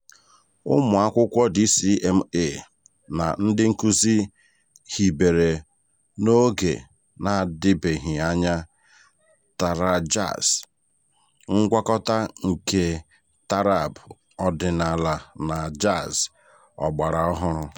Ụmụakwụkwọ DCMA na ndị nkuzi hibere n'oge na-adịbeghị anya "TaraJazz", ngwakọta nke taarab ọdịnaala na jazz ọgbara ọhụrụ.